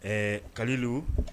Ɛɛ kalilu.